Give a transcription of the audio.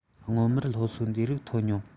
སྔོན མར སློབ གསོ འདིའི རིགས འཐོབ མྱོང